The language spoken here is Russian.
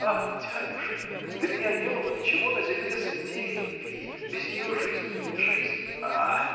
– Ах, дядюшка, для меня не было ничего на земле святее любви без нее жизнь не жизнь. – А!